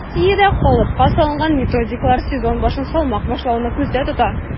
Россиядә калыпка салынган методикалар сезон башын салмак башлауны күздә тота: